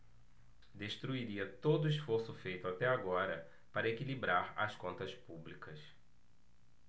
destruiria todo esforço feito até agora para equilibrar as contas públicas